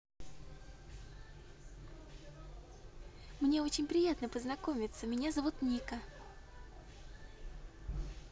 мне очень приятно познакомиться меня зовут ника